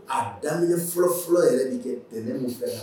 A daminɛ fɔlɔ-fɔlɔ yɛrɛ bi kɛ dɛnɛn mun fɛ da